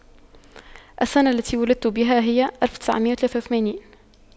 السنة التي ولدت بها هي ألف وتسعمئة وثلاثة وثمانين